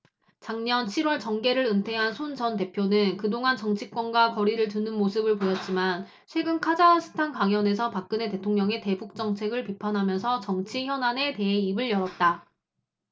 작년 칠 월 정계를 은퇴한 손 전 대표는 그동안 정치권과 거리를 두는 모습을 보였지만 최근 카자흐스탄 강연에서 박근혜 대통령의 대북정책을 비판하면서 정치현안에 대해 입을 열었다